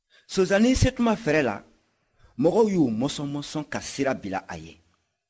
sonsannin setuma fɛrɛ la mɔgɔ y'u mɔsɔnmɔsɔn ka sira bila a ye